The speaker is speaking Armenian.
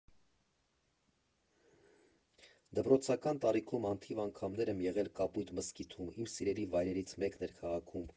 Դպրոցական տարիքում անթիվ անգամներ եմ եղել Կապույտ մզկիթում, իմ սիրելի վայրերից մեկն էր քաղաքում։